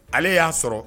Ale y'a sɔrɔ